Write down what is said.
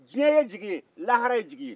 diɲɛ jigi lahara ye jigi ye